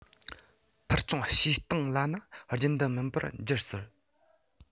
འཕུར སྐྱོད བྱེད སྟངས ལ ན རྒྱུན ལྡན མིན པར འགྱུར སྲིད